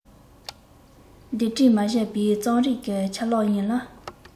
སྡེབ བསྒྲིགས མ བྱས པའི རྩོམ རིག གི ཆ ལག ཡིན ལ